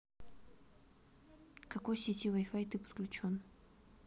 какой сети wi fi ты подключен